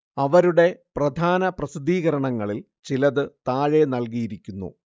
അവരുടെ പ്രധാന പ്രസിദ്ധീകരണങ്ങളിൽ ചിലത് താഴെ നൽകിയിരിക്കുന്നു